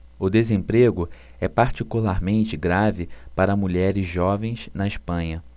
o desemprego é particularmente grave para mulheres jovens na espanha